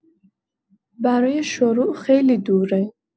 برای شروع خیلی دوره.